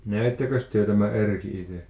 näittekös te tämän Erkin itse